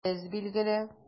Без, билгеле!